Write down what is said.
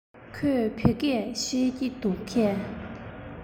ཁོས བོད སྐད ཤེས ཀྱི འདུག གས